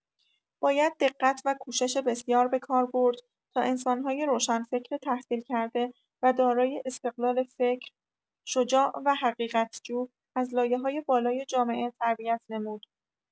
باید دقت و کوشش بسیار به کار برد تا انسان‌های روشنفکر تحصیل‌کرده و دارای استقلال فکر - شجاع و حقیقت‌جو، از لایه‌های بالای جامعه تربیت نمود.